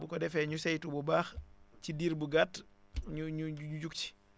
bu ko defee ñu saytu bu baax ci diir bu gàtt ñu ñu jug si